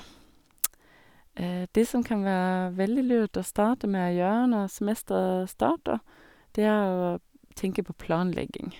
Det som kan være veldig lurt å starte med å gjøre når semesteret starter, det er å tenke på planlegging.